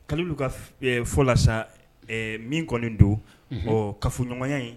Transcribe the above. Kaloolu ka fɔ la min kɔni don kafoɲɔgɔnya